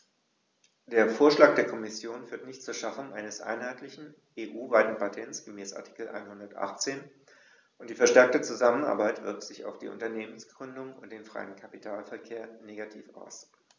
Der Vorschlag der Kommission führt nicht zur Schaffung eines einheitlichen, EU-weiten Patents gemäß Artikel 118, und die verstärkte Zusammenarbeit wirkt sich auf die Unternehmensgründung und den freien Kapitalverkehr negativ aus.